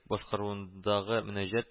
Башкаруындагы мөнәҗәт